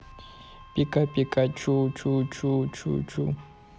пика пикачу чу чу чу чу